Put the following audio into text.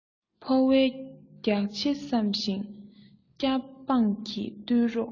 ཕོ བའི རྒྱགས ཕྱེ བསམ ཞིང སྐྱ འབངས ཀྱི བརྟུལ རོགས